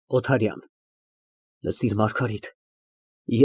ՕԹԱՐՅԱՆ ֊ Լսիր, Մարգարիտ։